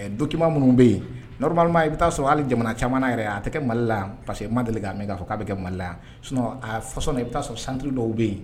Donki minnu bɛ yenɔri i bɛ' sɔrɔ hali jamana caman yɛrɛ a tɛ kɛ mali la pa parce que i ma deli k'a min'a fɔ k'a kɛ mali la sin a i bɛ' sɔrɔ santu dɔw bɛ yen